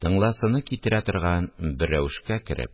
Тыңласыны китерә торган бер рәвешкә кереп